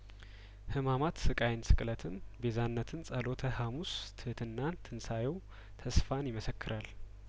ህማማት ስቃይን ስቅለት ቤዛ ነትን ጸሎተ ሀሙስ ትህትናን ትንሳኤው ተስፋን ይመሰ ክራል